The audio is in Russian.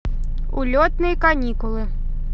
улетные каникулы